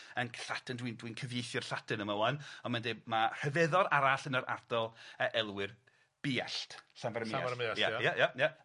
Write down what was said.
yn Lladin, dwi'n dwi'n cyfieithu o'r Lladin yma ŵan, ond mae'n deud ma' rhyfeddod arall yn yr ardal a elwir Buallt, Llanfair ym Muallt. Llanfair y Muallt, ia? Ia ia ia ia.